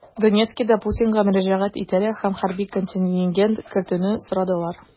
Донецкида Путинга мөрәҗәгать иттеләр һәм хәрби контингент кертүне сорадылар.